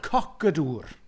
Coc y dŵr.